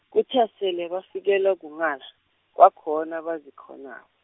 kuthe sele bafikelwa kunghala, kwakhona abazikghona-.